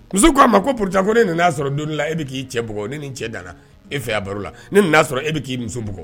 K'a ma ko po ko ne nin n y'a sɔrɔ don la e bɛ k'i cɛɔgɔɔ ne ni n cɛ da la e fɛ baro la ne y'a sɔrɔ e bɛ k'i muso bɔgɔ